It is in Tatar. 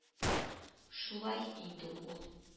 Шулай инде ул